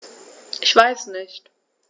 Ich weiß nicht.